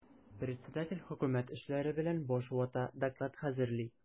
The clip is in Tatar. Председатель хөкүмәт эшләре белән баш вата, доклад хәзерли.